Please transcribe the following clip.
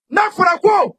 Ne fɔra ko